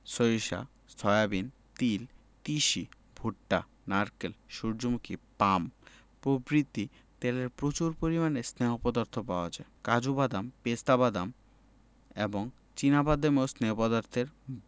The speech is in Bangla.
তিসি ভুট্টা নারকেল সুর্যমুখী পাম প্রভৃতির তেলে প্রচুর পরিমাণে স্নেহ পদার্থ পাওয়া যায় কাজু বাদাম পেস্তা বাদাম এবং চিনা বাদামও স্নেহ পদার্থের